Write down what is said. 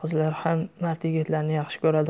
qizlar ham mard yigitlarni yaxshi ko'radi